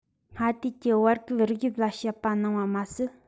སྔ དུས ཀྱི བར བརྒལ རིགས དབྱིབས ལ དཔྱད པ གནང བ མ ཟད